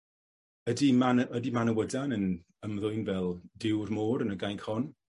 ydi Mana- ydi Manawydan yn ymddwyn fel duw'r môr yn y gainc hon?